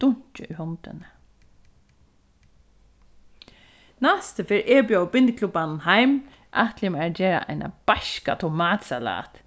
dunki í hondini næstu ferð eg bjóði bindiklubbanum heim ætli eg mær at gera eina beiska tomatsalat